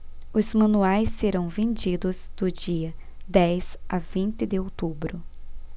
os manuais serão vendidos do dia dez a vinte de outubro